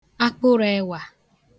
akpụrụ ewà